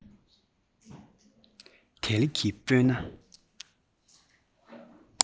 དལ གྱིས སྤོས ན